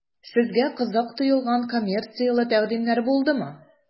Сезгә кызык тоелган коммерцияле тәкъдимнәр булдымы?